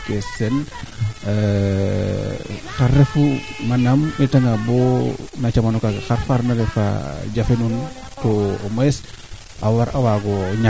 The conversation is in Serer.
ke naxuq weene mbaang na njal leŋ o leŋoxe il faut te fad ñaal naxik sa jal kan to jal kiran sax ndax ke taxuuna ten refu yee